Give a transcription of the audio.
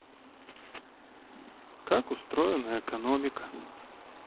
как устроена экономика